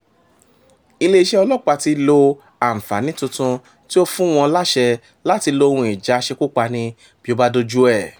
Iléeṣẹ́ ọlọ́pàá ti lo àǹfààní tuntun tí ó fún wọn láṣẹ láti lo ohun ìjà aṣekúpani bí ó bá dé ojú ẹ̀.